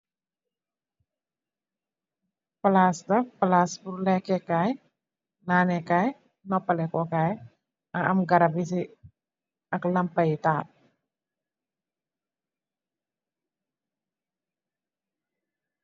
Place leke kai nane kai ak nopale kai. Nga amm garam ak lamba yu taal.